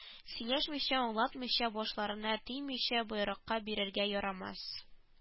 Сөйләшмичә аңлатмыйча башларына төймичә боерыкка бирергә ярамас